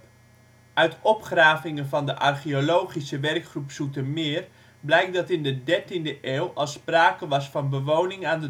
opgravingen van de Archeologische Werkgroep Zoetermeer blijkt dat in de 13e eeuw al sprake was van bewoning aan